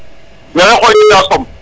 maxey xoytita Som